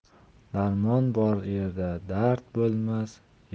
darmon bor yerda dard bo'lmas